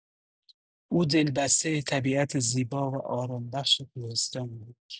او دلبسته طبیعت زیبا و آرامش‌بخش کوهستان بود.